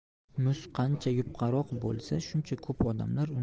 muz qancha yupqaroq bo'lsa shuncha ko'p odamlar